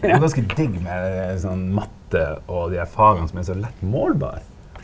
det er jo ganske digg med sånn matte og dei der faga som er så lett målbare.